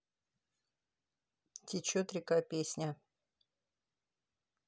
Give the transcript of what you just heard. течет река песня